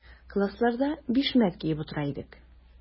Классларда бишмәт киеп утыра идек.